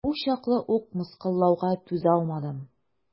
Бу чаклы ук мыскыллауга түзалмадым.